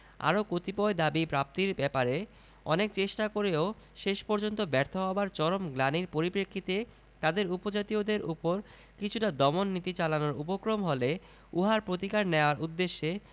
আরো কতিপয় দাবী প্রাপ্তির ব্যাপারে অনেক চেষ্টা করেও শেষ পর্যন্ত ব্যর্থ হবার চরম গ্লানির পরিপ্রেক্ষিতে তাদের উপজাতীয়দের ওপর কিছুটা দমন নীতি চালানোর উপক্রম হলে উহার প্রতিকার নেয়ার উদ্দেশে